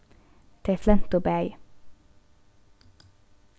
tey flentu bæði